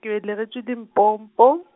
ke belegetšwe Limpopo .